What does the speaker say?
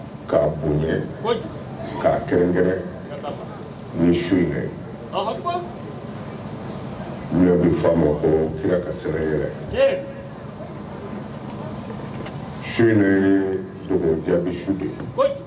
K'a bonya k'a kɛrɛnkɛ ni su' ma ka siran yɛrɛ su in ye sogodiya su de ye